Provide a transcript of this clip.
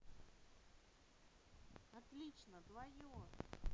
отлично твое